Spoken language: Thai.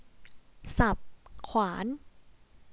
สับขวาน